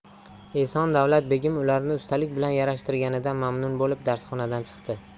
eson davlat begim ularni ustalik bilan yarashtirganidan mamnun bo'lib darsxonadan chiqdi